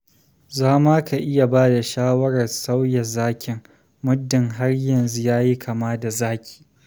Za ma ka iya ba da shawarar sauya zakin, muddun har yanzu ya yi kama da zaki.